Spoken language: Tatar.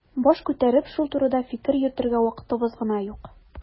Баш күтәреп шул турыда фикер йөртергә вакытыбыз гына юк.